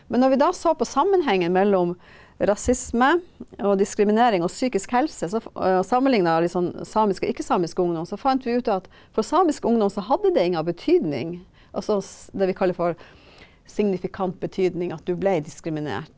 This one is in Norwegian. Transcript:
men når vi da så på sammenhengen mellom rasisme og diskriminering og psykisk helse så og sammenligna liksom samisk og ikke-samisk ungdom, så fant vi ut at for samisk ungdom så hadde det inga betydning altså det vi kaller for signifikant betydning at du blei diskriminert.